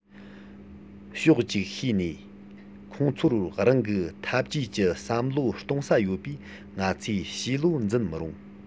ཕྱོགས ཅིག ཤོས ནས ཁོང ཚོར རང གི འཐབ ཇུས ཀྱི བསམ བློ གཏོང ས ཡོད པས ང ཚོས བྱིས བློ འཛིན མི རུང